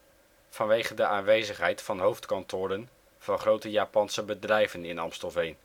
vanwege de aanwezigheid van hoofdkantoren van grote Japanse bedrijven in Amstelveen